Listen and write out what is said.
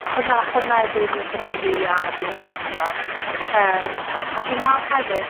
Hwnna, hwnna yw be' fi'n ffindo'n rili anodd i ddod drosto, yym, a fi'n me'wl hefyd